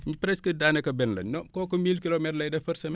presque daanaka benn lañ noo kooku mille kilomètres lay def par semaine